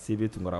Sebe tunkara